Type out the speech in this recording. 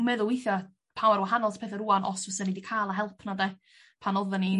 meddwl weithia' pa mor wahanol 'sa petha' rŵan os fysen i 'di ca'l y help 'na 'de pan oddan i'n...